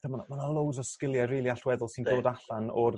a ma' 'na ma' 'na loads o sgilie rili allweddol sy'n dod allan o'r...